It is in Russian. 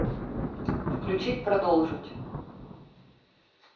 включить продолжить